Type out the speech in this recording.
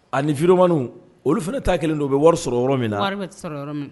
Ani videoman olu fana ta kelen don u bɛ wari sɔrɔ yɔrɔ min na.